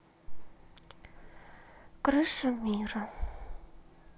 крышу мира